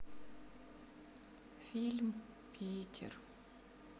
фильм питер